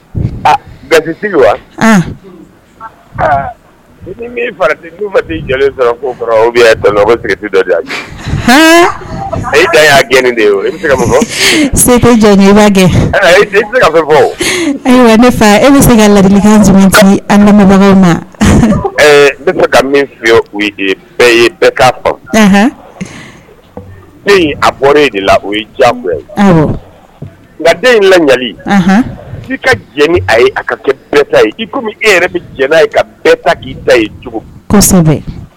Farau ma dɔ gɛn ye kɛ ne e ma ne ka min ye' fɔ a de la o ja ye nka den in lali ka jɛ a ye a ka kɛ e yɛrɛ bɛ jɛnɛ ye ka ta k'i ta